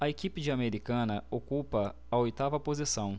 a equipe de americana ocupa a oitava posição